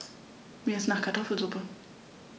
Mir ist nach Kartoffelsuppe.